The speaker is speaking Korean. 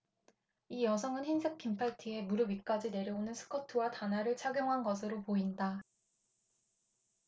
이 여성은 흰색 긴팔 티에 무릎 위까지 내려오는 스커트와 단화를 착용한 것으로 보인다